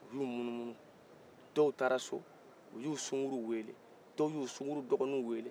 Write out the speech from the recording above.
u y'u munumunu dɔw taara so u y'u sunkuruw weele dɔ ye u sunkuruw dɔgɔninw weele